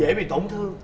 dễ bị tổn thương